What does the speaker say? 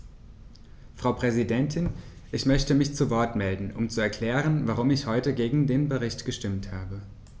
Frau Präsidentin, ich möchte mich zu Wort melden, um zu erklären, warum ich heute gegen den Bericht gestimmt habe.